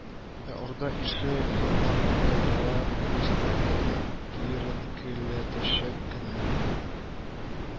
Ә Орда ише фильмнар милләтара мөнәсәбәтләрне киеренкеләтәчәк кенә